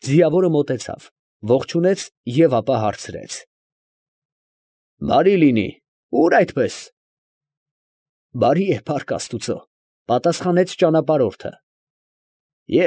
Ձիավորը մոտեցավ, ողջունեց և ապա հարցրեց. ֊ Բարի լինի. ո՞ւր այդպես։ ֊ Բարի է, փառք աստուծո, ֊ պատասխանեց ճանապարհորդը։ ֊